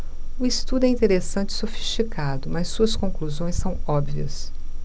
o estudo é interessante e sofisticado mas suas conclusões são óbvias